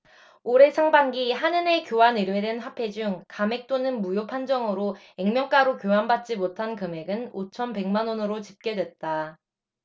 올해 상반기 한은에 교환 의뢰된 화폐 중 감액 또는 무효판정으로 액면가로 교환받지 못한 금액은 오천 백 만원으로 집계됐다